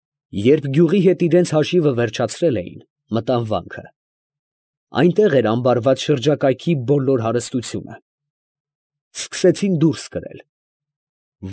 Երբ գյուղի հետ իրանց հաշիվը վերջացրել էին, մտան վանքը. այնտեղ էր ամբարված շրջակայքի բոլոր հարստությունը, ֊ սկսեցին դուրս կրել։